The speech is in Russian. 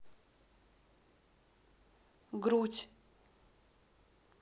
грудь